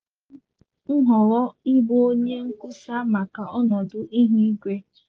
Ọ bụghị m họrọ ịbụ onye nkwusa maka ọnọdụ ihu igwe.